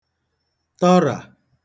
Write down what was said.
tọrà